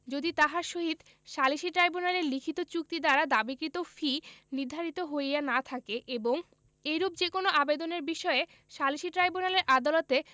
যদি তাহার সহিত সালিসী ট্রাইব্যুনালের লিখিত চুক্তি দ্বারা দাবীকৃত ফি নির্ধারিত হইয়া না থাকে এবং এইরূপ যে কোন আবেদনের বিষয়ে সালিসী ট্রাইব্যূনালের আদালতে